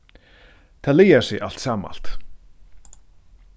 tað lagar seg alt samalt